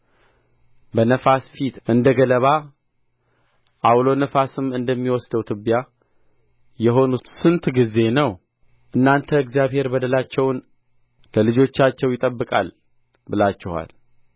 በነፋስ ፊት እንደ ገለባ ዐውሎ ነፋስም እንደሚወስደው ትቢያ የሆኑ ስንት ጊዜ ነው እናንተ እግዚአብሔር በደላቸውን ለልጆቻቸው ይጠብቃል ብላችኋል